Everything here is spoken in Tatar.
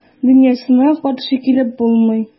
Дөньясына каршы килеп булмый.